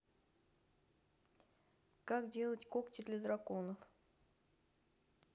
как делать когти для драконов